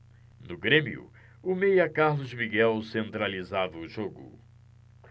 no grêmio o meia carlos miguel centralizava o jogo